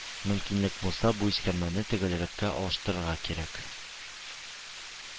Мөмкинлек булса, бу искәрмәне төгәлрәккә алыштырырга кирәк